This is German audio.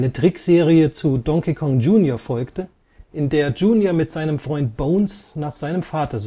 Trickserie zu Donkey Kong Jr. folgte, in der Junior mit seinem Freund Bones nach seinem Vater